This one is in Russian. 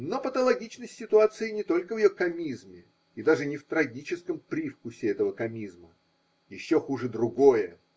Но патологичность ситуации не только в ее комизме и даже не в трагическом привкусе этого комизма. Еще хуже другое.